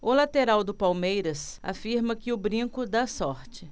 o lateral do palmeiras afirma que o brinco dá sorte